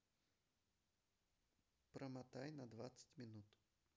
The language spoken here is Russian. промотай на двадцать минут